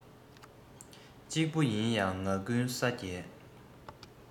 གཅིག པུ ཡིན ང ཀུན ས རྒྱལ